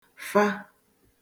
fa